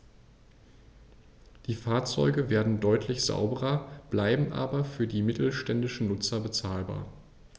Die Fahrzeuge werden deutlich sauberer, bleiben aber für die mittelständischen Nutzer bezahlbar.